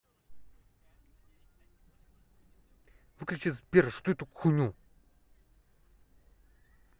выключи сбер что эту хуйню